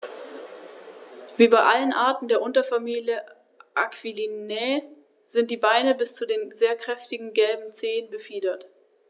Auffallend ist neben der für Adler typischen starken Fingerung der Handschwingen der relativ lange, nur leicht gerundete Schwanz.